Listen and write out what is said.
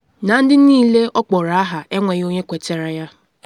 “Na ndị niile ọkpọrọ aha enweghị onye kwetara ya.